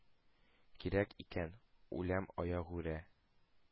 Кирәк икән, үләм аягүрә,